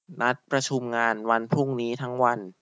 นัดประชุมงานวันพรุ่งนี้ทั้งวัน